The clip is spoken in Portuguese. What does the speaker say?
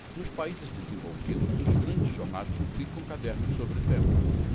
nos países desenvolvidos os grandes jornais publicam cadernos sobre o tema